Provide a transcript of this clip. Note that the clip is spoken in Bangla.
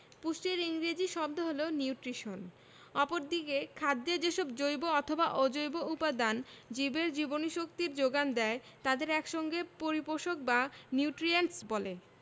পুষ্টির ইংরেজি শব্দ নিউট্রিশন অপরদিকে খাদ্যের যেসব জৈব অথবা অজৈব উপাদান জীবের জীবনীশক্তির যোগান দেয় তাদের এক সঙ্গে পরিপোষক বা নিউট্রিয়েন্টস বলে